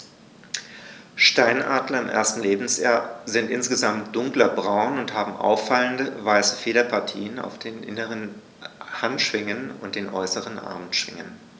Steinadler im ersten Lebensjahr sind insgesamt dunkler braun und haben auffallende, weiße Federpartien auf den inneren Handschwingen und den äußeren Armschwingen.